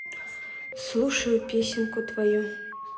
слушаю песенку твою